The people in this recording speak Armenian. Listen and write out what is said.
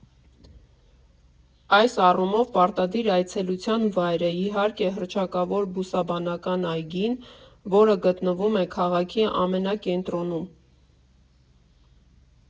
Այս առումով պարտադիր այցելության վայր է, իհարկե, հռչակավոր Բուսաբանական այգին, որը գտնվում է քաղաքի ամենակենտրոնում։